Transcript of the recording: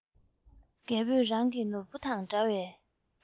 རྒད པོས རང གི ནོར བུ དང འདྲ བའི